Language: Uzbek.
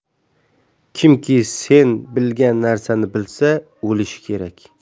kimki sen bilgan narsani bilsa o'lishi kerak